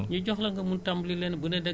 nga ne fi ma duggoon ci assurance bi